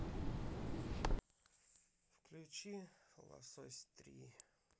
включи лосось три